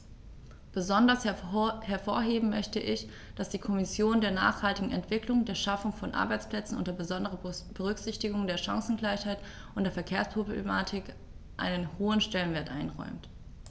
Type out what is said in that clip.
Besonders hervorheben möchte ich, dass die Kommission der nachhaltigen Entwicklung, der Schaffung von Arbeitsplätzen unter besonderer Berücksichtigung der Chancengleichheit und der Verkehrsproblematik einen hohen Stellenwert einräumt.